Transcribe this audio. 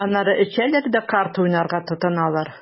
Аннары эчәләр дә карта уйнарга тотыналар.